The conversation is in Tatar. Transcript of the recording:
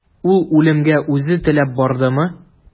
Ул үлемгә үзе теләп бардымы?